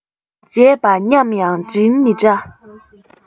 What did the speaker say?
བྱས པ མཉམ ཡང དྲིན མི འདྲ